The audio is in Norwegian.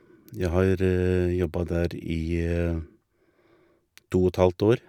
Jeg har jobba der i to og et halvt år.